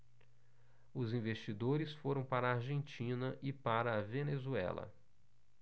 os investidores foram para a argentina e para a venezuela